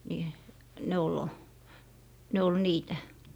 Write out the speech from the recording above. niin ne oli ne oli niitä